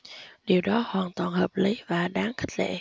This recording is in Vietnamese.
điều đó hoàn toàn hợp lý và đáng khích lệ